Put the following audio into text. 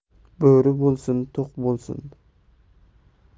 bo'ri bo'lsin to'q bo'lsin